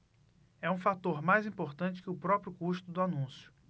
é um fator mais importante que o próprio custo do anúncio